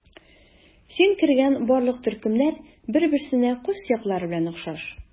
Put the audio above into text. Син кергән барлык төркемнәр бер-берсенә кайсы яклары белән охшаш?